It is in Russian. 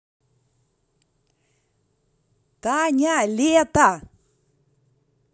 таня лето